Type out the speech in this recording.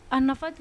A nafa tun